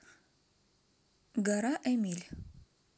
гора эмиль